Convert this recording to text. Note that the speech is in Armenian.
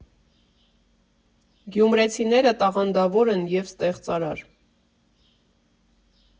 Գյումրեցիները տաղանդավոր են և ստեղծարար։